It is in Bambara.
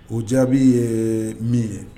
O jaabi ye min ye